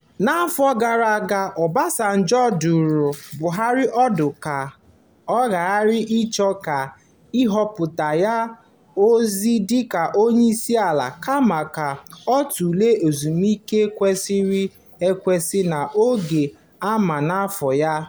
N'afọ gara aga, Obasanjo dụrụ Buhari ọdụ ka ọ ghara ịchọ ka a họpụta ya ọzọ dịka onyeisiala kama ka ọ "tụlee ezumike kwesịrị ekwesị n'oge a ma n'afọ ya a".